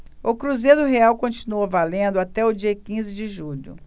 o cruzeiro real continua valendo até o dia quinze de julho